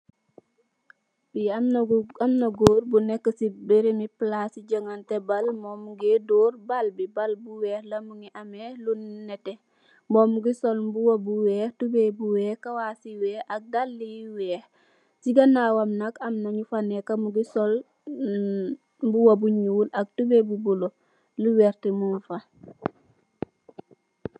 Fi gór am na bu nekka ci barabi palasi jongateh bal mom mugèè door bal bi, bal bu wèèx la mugii ameh lu netteh, mom mugii sol mbuba bu wèèx tubay bu wèèx kawas yu wèèx ak dalli yu wèèx. Ci ganaw wam nat am na ñu fa nèkka mugii sol mbuba bu ñuul ak tubay bu bula, lu werta mung fa.